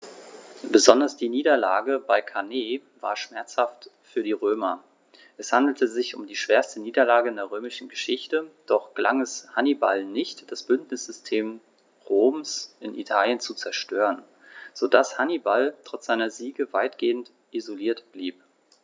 Besonders die Niederlage bei Cannae war schmerzhaft für die Römer: Es handelte sich um die schwerste Niederlage in der römischen Geschichte, doch gelang es Hannibal nicht, das Bündnissystem Roms in Italien zu zerstören, sodass Hannibal trotz seiner Siege weitgehend isoliert blieb.